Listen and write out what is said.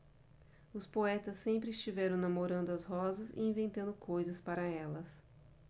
os poetas sempre estiveram namorando as rosas e inventando coisas para elas